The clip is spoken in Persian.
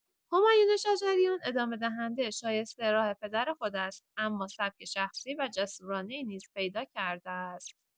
همایون شجریان ادامه‌دهنده شایسته راه پدر خود است اما سبک شخصی و جسورانه‌ای نیز پیدا کرده است.